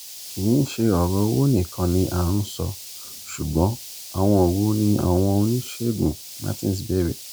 "Kìí ṣe ọ̀rọ̀ owó nìkan ni à ń sọ, ṣùgbọ́n àwọn wo ni àwọn oníṣègùn?" Martin bèère.